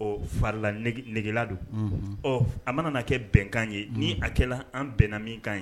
Ɔ farila negela don ɔ a mana kɛ bɛnkan ye ni a kɛlen an bɛnna minkan ye